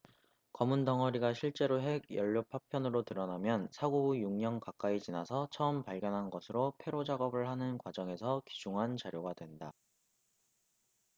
검은 덩어리가 실제로 핵연료 파편으로 드러나면 사고 후 육 년 가까이 지나서 처음 발견한 것으로 폐로작업을 하는 과정에서 귀중한 자료가 된다